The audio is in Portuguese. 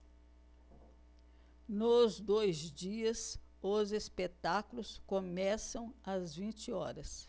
nos dois dias os espetáculos começam às vinte horas